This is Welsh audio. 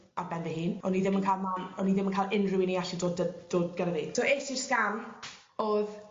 ar ben fy hun o'n i ddim yn ca'l mam o'n i ddim yn ca'l unryw un i allu dod dy- dod gyda fi. So es i'r sgan o'dd